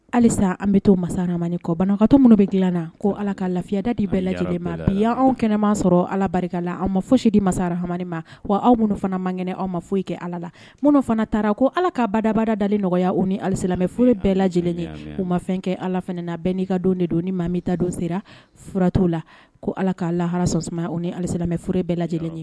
Halisa an bɛ to masamani kɔ banakatɔ minnu bɛ dilan na ko ala ka lafiya da di bɛɛ lajɛlen ma bi anw kɛnɛma sɔrɔ ala barika la an ma foyi sidi masara hama ma wa aw minnu fana man kɛnɛ aw ma foyi kɛ ala la minnu fana taara ko ala ka badabada dali nɔgɔya u ni alisamɛf bɛɛ lajɛlen u ma fɛn kɛ ala fanana bɛɛ n'i ka don de don ni maami ta don sera furatu la ko ala k kaa lahara sɔs u ni alisamɛ fur bɛɛ lajɛlen